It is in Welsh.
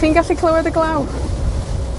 Chi'n gallu clywed y glaw?